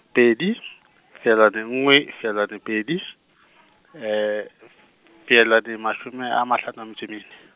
pedi , feelwane nngwe, feelwane pedi , f- feelwane mashome a mahlano a metso e mene.